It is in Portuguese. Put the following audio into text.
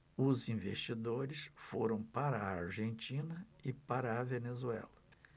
os investidores foram para a argentina e para a venezuela